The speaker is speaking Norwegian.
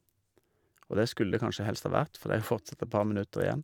Og det skulle det kanskje helst ha vært, for det er fortsatt et par minutter igjen.